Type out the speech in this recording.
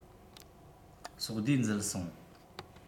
སྲོག བསྡོས འཛུལ སོང